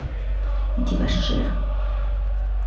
дебошир